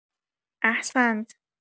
احسنت!